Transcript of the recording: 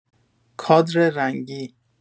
کادر رنگی